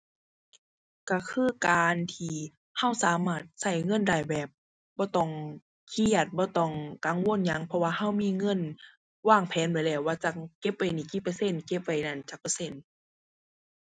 ก็คือการที่ก็สามารถก็เงินได้แบบบ่ต้องเครียด บ่ต้องกังวลหยัง เพราะว่าก็มีเงินวางแผนไว้แล้วว่าจั่งเก็บไว้นี้กี่เปอร์เซ็นต์ เก็บไวนั้นจักเปอร์เซ็นต์